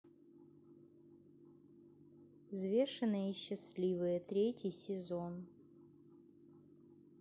взвешенные и счастливые третий сезон